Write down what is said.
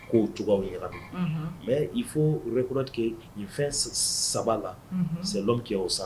K' tu yɛlɛ mɛ i fo yɛrɛ kuratigi fɛn saba la sɛ kɛ' o sa